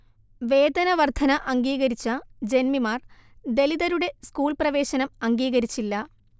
വേതനവർധന അംഗീകരിച്ച ജന്മിമാർ ദലിതരുടെ സ്കൂൾപ്രവേശനം അംഗീകരിച്ചില്ല